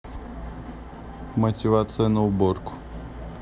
мотивация на уборку